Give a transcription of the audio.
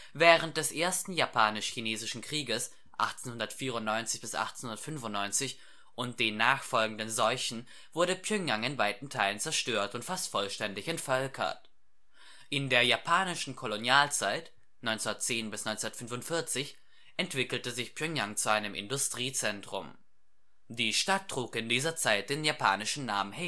Während des Ersten Japanisch-Chinesischen Krieges (1894 – 1895) und den nachfolgenden Seuchen wurde Pjöngjang in weiten Teilen zerstört und fast vollständig entvölkert. In der japanischen Kolonialzeit (1910 – 1945) entwickelte sich Pjöngjang zu einem Industriezentrum. Die Stadt trug in dieser Zeit den japanischen Namen